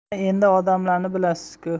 ha endi odamlarni bilasiz ku